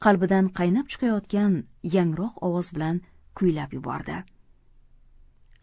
qalbidan qaynab chiqayotgan yangroq ovoz bilan kuylab yubordi